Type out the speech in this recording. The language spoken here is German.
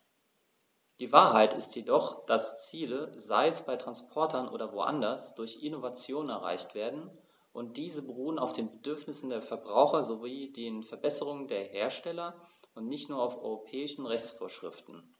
Die Wahrheit ist jedoch, dass Ziele, sei es bei Transportern oder woanders, durch Innovationen erreicht werden, und diese beruhen auf den Bedürfnissen der Verbraucher sowie den Verbesserungen der Hersteller und nicht nur auf europäischen Rechtsvorschriften.